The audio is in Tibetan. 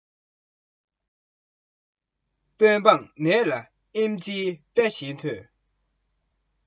ཡུལ སྡེ མེད པའི རྗེ དཔོན དགོད རེ བྲོ